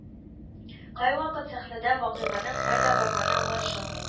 Кайвакыт сәхнәдә вакыйганың кайда барганы аңлашылмый